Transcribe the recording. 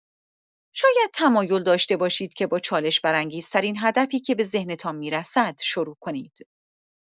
شاید تمایل داشته باشید که با چالش‌برانگیزترین هدفی که به ذهنتان می‌رسد شروع کنید.